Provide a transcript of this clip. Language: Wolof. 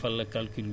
waaw